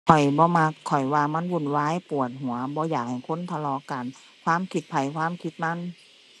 ข้อยบ่มัก ข้อยว่ามันวุ่นวายปวดหัว บ่อยากให้คนทะเลาะกัน ความคิดไผความคิดมัน